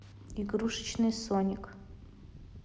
игрушечный соник